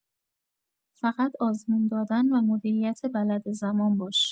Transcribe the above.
فقط آزمون دادن و مدیریت بلد زمان باش